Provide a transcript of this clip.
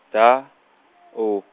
D O.